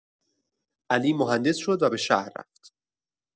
علی مهندس شد و به شهر رفت.